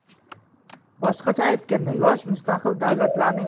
boshqacha aytganda yosh mustaqil davlatlarning